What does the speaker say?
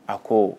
A ko